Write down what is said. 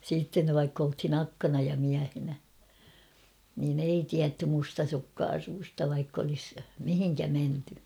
sitten vaikka oltiin akkana ja miehenä niin ei tiedetty mustasukkaisuudesta vaikka olisi mihin menty